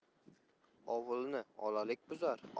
ovulni olalik buzar